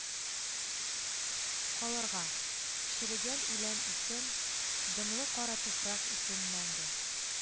Калырга, черегән үлән исен, дымлы кара туфрак исен мәңге